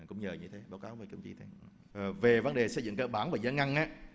cũng nhờ như thế báo cáo về chủ nhiệm ờ về vấn đề xây dựng cơ bản và gian ngăn á